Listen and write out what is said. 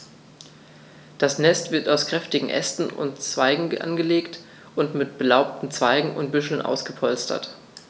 Das Nest wird aus kräftigen Ästen und Zweigen angelegt und mit belaubten Zweigen und Büscheln ausgepolstert.